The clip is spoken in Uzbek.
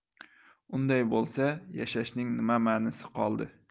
unday bo'lsa yashashning nima manisi qoldi